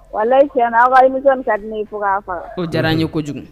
Wala serana warimi ka di fɔ k'a fɔ o diyara n ye kojugu